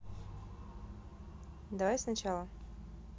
давай сначала